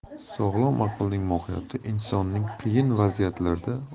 sog'lom aqlning mohiyati insonning qiyin